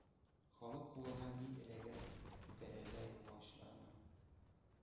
Халык кулына ни эләгә – тәрәзә югычлармы,